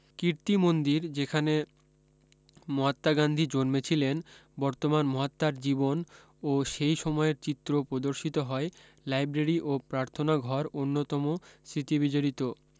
কীর্তি মন্দির যেখানে মহাত্মা গান্ধী জন্মেছিলেন বর্তমানে মহাত্মার জীবন ও সেই সময়ের চিত্র প্রদর্শিত হয় লাইব্রেরী ও প্রার্থনা ঘর অন্যতম স্মৃতিবিজড়িত